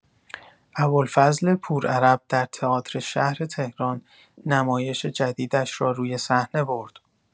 ابوالفضل پورعرب در تئاتر شهر تهران نمایش جدیدش را روی صحنه برد.